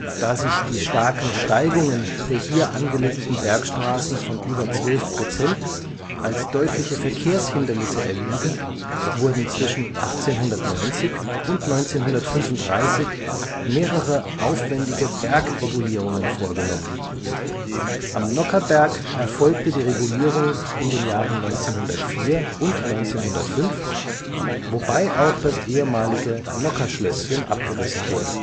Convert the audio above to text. Da sich die starken Steigungen der hier angelegten Bergstraßen von über 12 % als deutliche Verkehrshindernisse erwiesen, wurden zwischen 1890 und 1935 mehrere aufwändige Bergregulierungen vorgenommen. Am Nockherberg erfolgte die Regulierung in den Jahren 1904 / 1905, wobei auch das ehemalige „ Nockherschlösschen “abgerissen wurde